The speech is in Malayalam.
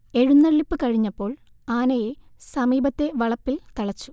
എഴുന്നള്ളിപ്പ് കഴിഞ്ഞപ്പോൾ ആനയെ സമീപത്തെ വളപ്പിൽ തളച്ചു